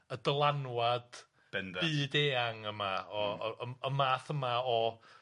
...y dylanwad... Bendant. byd eang yma o o y m- y math yma o